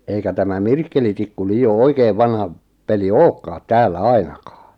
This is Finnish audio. eikä tämä mirkkelitikku liioin oikein vanha peli olekaan täällä ainakaan